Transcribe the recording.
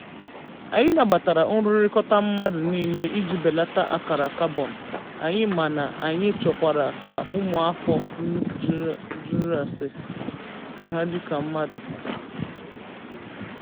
Anyị nabatara nrụkọrịta mmadụ niile iji belata akara Kabọn anyị mana anyị chọkwara ka ụmụafọ jụọ ka gọọmentị mee ihe ndị kwesịrịnụ dịka ịnye akụrụngwa, na agụmakwụkwọ maka nchekwa na mgbanwe ihuigwe.